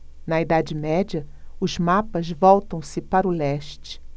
na idade média os mapas voltam-se para o leste